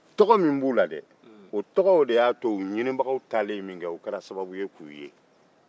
tɔgɔ minnu b'u la dɛ o tɔgɔ de y'a to u ɲinibagaw taalen o kɛra sababu ye k'u ye